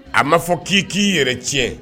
A maa fɔ k'i k'i yɛrɛ tiɲɛ